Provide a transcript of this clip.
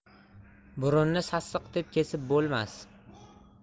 burunni sassiq deb kesib bo'lmas